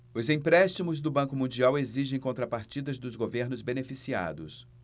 os empréstimos do banco mundial exigem contrapartidas dos governos beneficiados